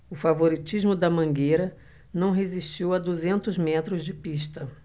o favoritismo da mangueira não resistiu a duzentos metros de pista